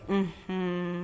Unhun